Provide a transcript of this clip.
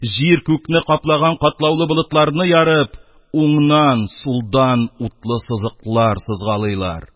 Җир-күкне каплаган катлаулы болытларны ярып, уңнан, сулдан утлы сызыклар сызгалыйлар.